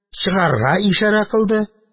Чыгарга ишарә кылды.